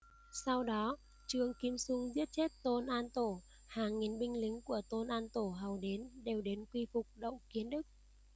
sau đó trương kim xung giết chết tôn an tổ hàng nghìn binh lính của tôn an tổ hầu đến đều đến quy phục đậu kiến đức